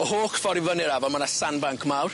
Y holl ffor i fyny'r afon ma' 'na sandbank mawr.